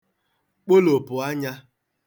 kpolòpụ̀ anyā